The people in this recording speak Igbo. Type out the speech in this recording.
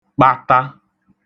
kpa(ta)